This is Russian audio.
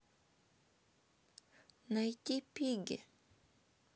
найти пигги